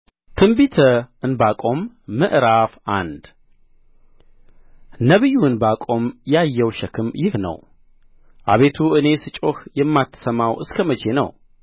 ትንቢተ ዕንባቆም ምዕራፍ አንድ ነቢዩ ዕንባቆም ያየው ሸክም ይህ ነው አቤቱ እኔ ስጮኽ የማትሰማው እስከ መቼ ነው